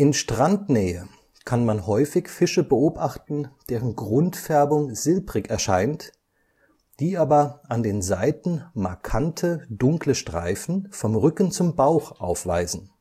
Strandnähe kann man häufig Fische beobachten, deren Grundfärbung silbrig erscheint, die aber an den Seiten markante, dunkle Streifen – vom Rücken zum Bauch – aufweisen